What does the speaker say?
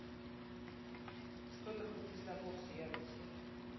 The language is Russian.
что такое пиздабол всея руси